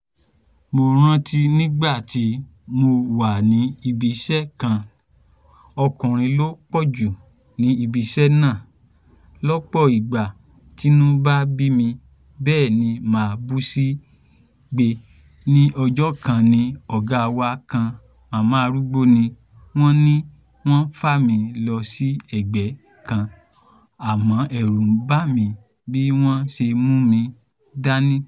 Mo rántí nígbà tí mo wà ní ibiṣẹ́ kan, ọkụ̀nrin ló pọ̀ jù ní ibiṣẹ́ náà. Lọ́pọ̀ ìgbà tínú bá bí mi, bẹ́è ni máa bú sígbe. Ní ọjọ́ kan ní ọgá wa kan, màmá arúgbó ni wọ́n, ni wọ́n fa mí lọ sí ẹ̀gbẹ́ kan, àmọ́ ẹ̀rù ń bà mí bí wọ́n ṣe mú mi dání.